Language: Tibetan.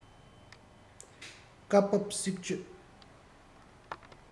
སྐབས བབས གསེག གཅོད